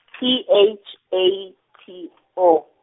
T H A T O.